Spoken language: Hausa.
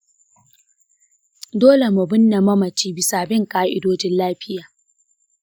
dole mu binne mamaci bisa bin ka'idojin lafiya.